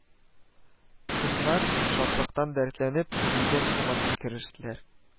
Кызлар, шатлыктан дәртләнеп, биегән сыман сикерештеләр: